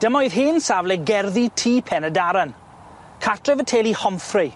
Dyma oedd hen safle gerddi tŷ Pen-y-Daran, cartref y teulu Homfrey.